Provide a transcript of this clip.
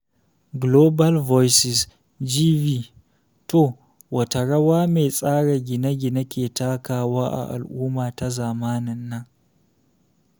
Global Voices (GV): To, wata rawa mai tsara gine-gine ke takawa a al’umma ta zamanin nan?